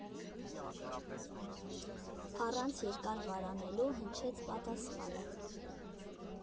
Առանց երկար վարանելու հնչեց պատասխանը.